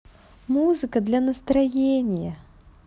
музыка для настроения